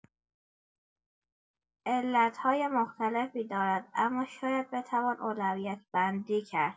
علت‌های مختلفی دارد، اما شاید بتوان اولویت‌بندی کرد.